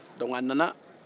donke a nana